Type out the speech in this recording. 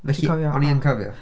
Felly o'n i'n cofio.